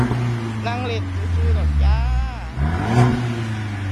นั่งเล่นซื่อซื่อดอกจ้า